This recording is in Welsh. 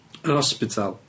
Yn y hospital.